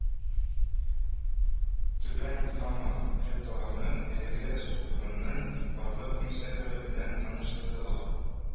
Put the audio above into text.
Түбән Кама ректоларын әлеге структураның барлык функцияләре белән таныштырдылар